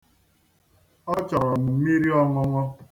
Ọ chọrọ mmiri ọṅụṅụ.